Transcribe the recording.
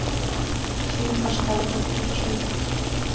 фильм каштанка включи